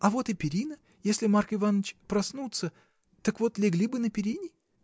— А вот и перина: если Марк Иваныч проснутся, так вот легли бы на перине!